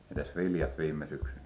entäs viljat viime syksynä